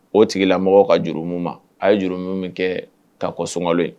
O tigilamɔgɔw ka jurumi ma, a ye jurumi min kɛ. ka kɔn sunkalo ɲɛn.